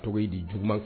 To di juguman kan